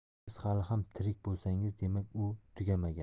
agar siz hali ham tirik bo'lsangiz demak u tugamagan